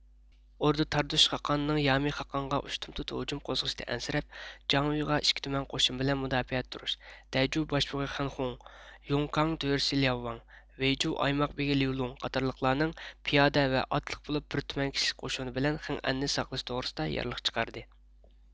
ئوردا تاردۇش قاغاننىڭ يامى قاغانغا ئۇشتۇمتۇت ھۇجۇم قوزغىشىدىن ئەنسىرەپ جاڭۋغا ئىككى تۈمەن قوشۇن بىلەن مۇداپىئەدە تۇرۇش دەيجۇ باشبۇغى خەنخوڭ يوڭكاڭ تۆرىسى لىياۋۋاڭ ۋېيجۇۋ ئايماق بېگى ليۇلوڭ قاتارلىقلارنىڭ پىيادە ۋە ئاتلىق بولۇپ بىر تۈمەن كىشىلىك قوشۇن بىلەن خېڭئەننى ساقلىشى توغرىسىدا يارلىق چىقاردى